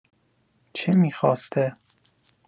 چه می‌خواسته؟